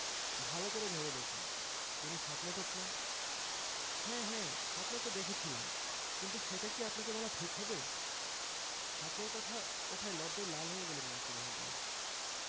ভালো করে ভেবে দেখুন কোনো স্বপ্ন টপ্ন হ্যাঁ হ্যাঁ স্বপ্ন একটা দেখেছিলাম কিন্তু সেটা কি আপনাকে বলা ঠিক হবে স্বপ্নের কথা ওঠায় লজ্জায় লাল হয়ে গেলেন মন্ত্রী মহোদয়